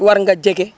war nga jege